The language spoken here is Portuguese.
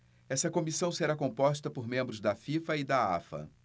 essa comissão será composta por membros da fifa e da afa